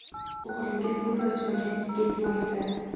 o'g'lingiz ko'z ochmagan yigit bo'lsa